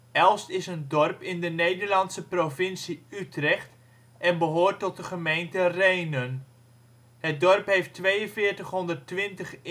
Elst is een dorp in de Nederlandse provincie Utrecht en behoort tot de gemeente Rhenen. Het dorp heeft 4220 inwoners